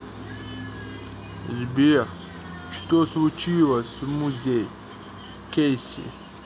сбер что случилось с музей кейси